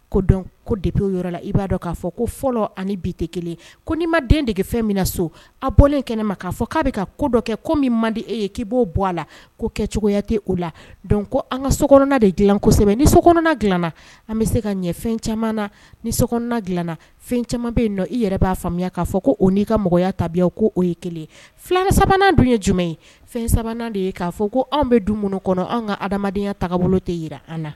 Ko dɔn ko de' yɔrɔ la i b'a dɔn k'a fɔ ko fɔlɔ ani bi tɛ kelen ko n'i ma den dege fɛn min na so a bɔlen in kɛnɛ ma k'a fɔ k'a bɛ ka ko dɔ kɛ ko min man di e ye k'i b'o bɔ a la ko kɛ cogoya tɛ o la dɔn ko an ka so de dilan kosɛbɛ ni so dilana an bɛ se ka ɲɛ fɛn caman ni so dilana fɛn caman bɛ nɔ i yɛrɛ b'a faamuya k'a fɔ ko o n'i ka mɔgɔya tabiya ko o ye kelen filanan sabanan dun ye jumɛn ye fɛn sabanan de ye k'a fɔ ko anw bɛ dum minnu kɔnɔ an ka adamadenyaya taabolobolo tɛ jira an na